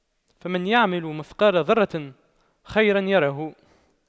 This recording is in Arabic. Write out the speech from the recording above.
فَمَن يَعمَل مِثقَالَ ذَرَّةٍ خَيرًا يَرَهُ